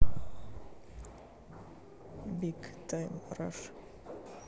биг тайм раш